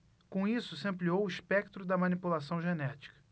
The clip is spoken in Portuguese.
com isso se ampliou o espectro da manipulação genética